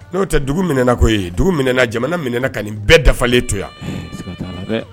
N'o tɛ dugu minɛɛna ko ye jamana minɛna ka nin bɛɛ dafalen to yan